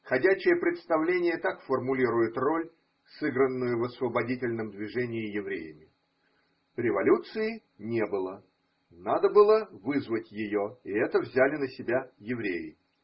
Ходячее представление так формулирует роль, сыгранную в освободительном движении евреями. Революции не было. Надо было вызвать ее. И это взяли на себя евреи.